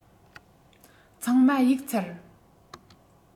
ཚང མ གཡུག ཚར